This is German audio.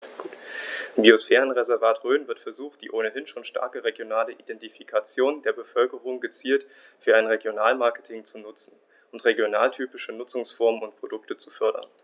Im Biosphärenreservat Rhön wird versucht, die ohnehin schon starke regionale Identifikation der Bevölkerung gezielt für ein Regionalmarketing zu nutzen und regionaltypische Nutzungsformen und Produkte zu fördern.